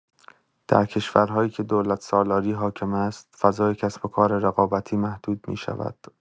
در کشورهایی که دولت‌سالاری حاکم است، فضای کسب‌وکار رقابتی محدود می‌شود.